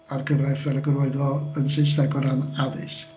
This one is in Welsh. A'r gyfraith fel ag yr oedd o yn Saesneg o ran addysg